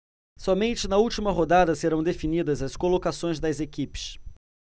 somente na última rodada serão definidas as colocações das equipes